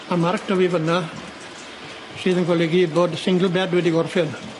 Ma' marc 'dy fi fyn 'na sydd yn golygu bod single bed wedi gorffen.